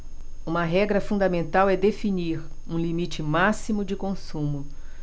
uma regra fundamental é definir um limite máximo de consumo